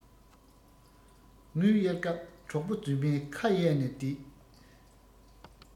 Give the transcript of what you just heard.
དངུལ གཡར སྐབས གྲོགས པོ རྫུན མས ཁ གཡར ནས བསྡད